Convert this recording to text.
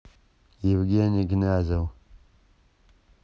евгений князев